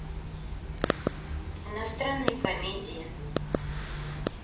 иностранные комедии